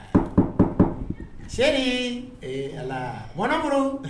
Se ni mmuru